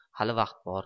hali vaqt bor